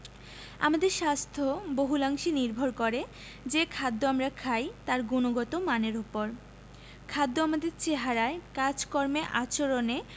আমাদের স্বাস্থ্য বহুলাংশে নির্ভর করে যে খাদ্য আমরা খাই তার গুণগত মানের ওপর খাদ্য আমাদের চেহারায় কাজকর্মে আচরণে